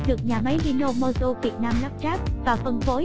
được nhà máy hino motors việt nam lắp ráp và phân phối